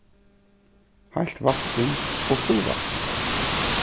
heilt vaksin og fullvaksin s